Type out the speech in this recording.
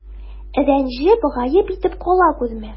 Рәнҗеп, гаеп итеп кала күрмә.